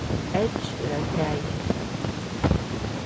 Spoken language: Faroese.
edge er ein kagi